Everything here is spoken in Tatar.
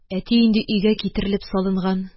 Әти инде өйгә китерелеп салынган